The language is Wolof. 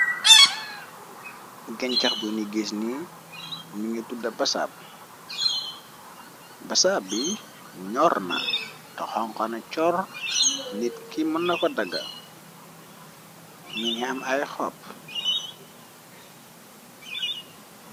bugeñ cax bu nigiis ni mi nga tudda basab ba saab bi ñor na te xonxona cor nit ki mën na ko daga ninga am ay xopp